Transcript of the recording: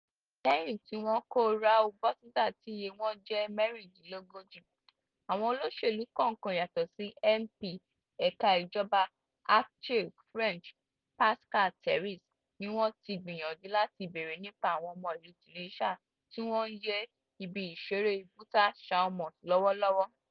Lẹ́yìn tí wọ́n kó rue Botzaris tí iye wọn jẹ́ mẹ́rìndínlógójì, àwọn olóṣèlú kọ̀ọ̀kan - yàtọ̀ sí MP ẹ̀ka ìjọba Ardèche French, Pascal Terrasse- ni wọ́n ti gbìyànjú láti bèèrè nípa àwọn ọmọ ìlú Tunisia tí wọ́n ń ye ibi ìṣeré Butters Chaumont lọ́wọ́ lọ́wọ́.